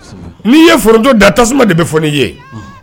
N'i ye fj da tasuma de bɛ fɔ ne ye